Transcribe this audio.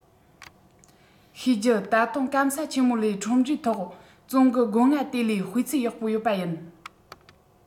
གཤིས རྒྱུད ད དུང སྐམ ས ཆེན མོ ལས ཁྲོམ རའི ཐོག བཙོང གི སྒོ ང དེ ལས སྤུས ཚད ཡག པོ ཡོད པ ཡིན